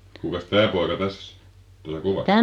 kukas tämä poika tässä tuolla kuvassa